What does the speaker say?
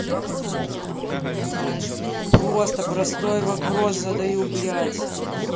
просто простой вопрос задаю блять